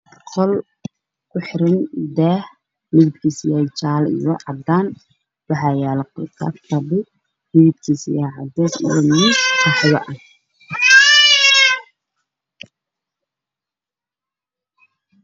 Waa qol waxaa ku xiran daahman fadhiya ayaa yaalo